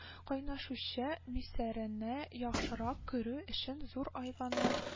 Кайнашучы миссәрәне яхшырак күрү өчен зур айваның—